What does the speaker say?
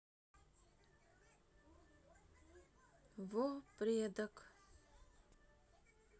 во предок